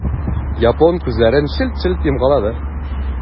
Япон күзләрен челт-челт йомгалады.